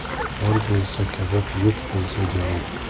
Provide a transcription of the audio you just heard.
bor bo'lsa kabob yo'q bo'lsa javob